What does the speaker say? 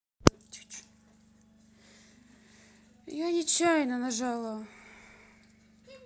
я нечаянно нажала